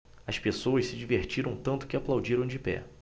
as pessoas se divertiram tanto que aplaudiram de pé